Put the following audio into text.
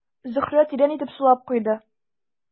Зөһрә тирән итеп сулап куйды.